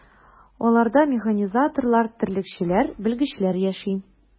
Аларда механизаторлар, терлекчеләр, белгечләр яши.